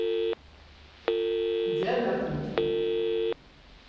где отдохнуть